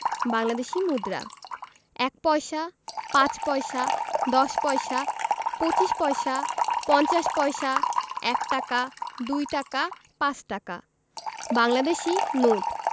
বাংলাদেশি মুদ্রাঃ ১ পয়সা ৫ পয়সা ১০ পয়সা ২৫ পয়সা ৫০ পয়সা ১ টাকা ২ টাকা ৫ টাকা বাংলাদেশি নোটঃ